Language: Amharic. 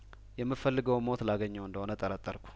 የምፈልገውን ሞት ላገኘው እንደሆነ ጠረጠርኩ